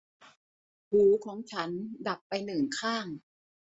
หูของฉันดับไปหนึ่งข้าง